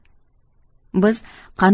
biz qani